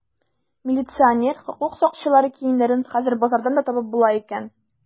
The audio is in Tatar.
Милиционер, хокук сакчылары киемнәрен хәзер базардан да табып була икән.